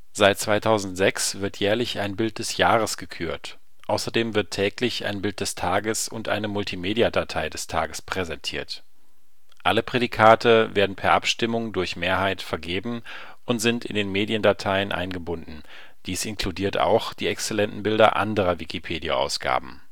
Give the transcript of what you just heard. Seit 2006 wird jährlich ein Bild des Jahres gekürt. Außerdem wird täglich ein Bild des Tages und eine Multimediadatei des Tages präsentiert. Alle Prädikate werden per Abstimmung (Mehrheit) vergeben und sind in den Mediendateien eingebunden, dies inkludiert auch die exzellenten Bilder anderer Wikipedia-Ausgaben